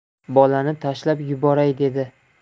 bolani tashlab yuboray dedi